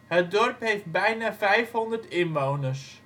Het dorp heeft bijna 500 inwoners